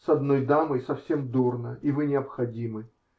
С одной дамой совсем дурно, и вы необходимы.